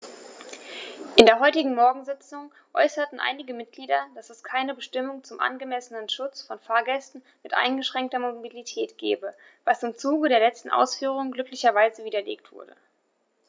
In der heutigen Morgensitzung äußerten einige Mitglieder, dass es keine Bestimmung zum angemessenen Schutz von Fahrgästen mit eingeschränkter Mobilität gebe, was im Zuge der letzten Ausführungen glücklicherweise widerlegt wurde.